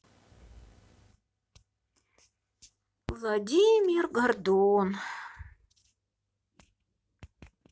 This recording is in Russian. владимир гордон